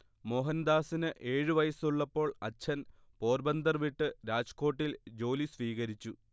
മോഹൻദാസിന് ഏഴു വയസ്സുള്ളപ്പോൾ അച്ഛൻ പോർബന്ദർ വിട്ട് രാജ്കോട്ടിൽ ജോലി സ്വീകരിച്ചു